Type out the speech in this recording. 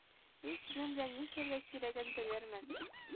Мин синең белән нишләргә кирәген белермен